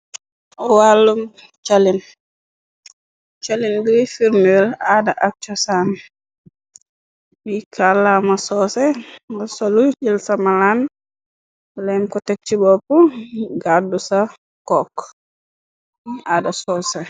Owalum càllin, callin grie furnule aada ak casan, mi kalama soose nga solu jël sa malaan, blam ko teg ci bopp gàrdu ca cook, aada soosé.